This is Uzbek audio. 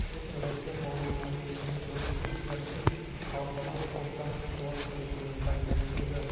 putin rossiya qonunlarini yangi konstitutsiyasiz xalqaro huquqdan ustuvor qilishni taklif qildi